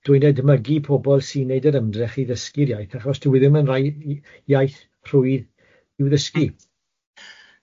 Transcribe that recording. dwi'n edmygu pobol sy'n wneud yr ymdrech i ddysgu'r iaith achos dyw e ddim yn rhai iaith rhwyd i'w ddysgu.